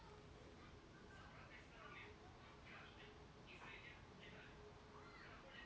я буду рад тебя когда нибудь услышать